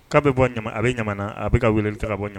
'a bɛ bɔ a bɛ ɲamana a bɛ ka wele ka bɔ